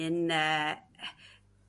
un yy